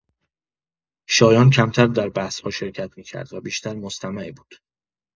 شایان کمتر در بحث‌ها شرکت می‌کرد و بیشتر مستمع بود.